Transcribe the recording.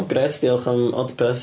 Gret, diolch am odpeth.